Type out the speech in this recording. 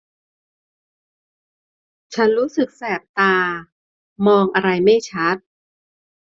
ฉันรู้สึกแสบตามองอะไรไม่ชัด